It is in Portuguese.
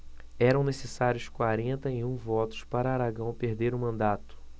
eram necessários quarenta e um votos para aragão perder o mandato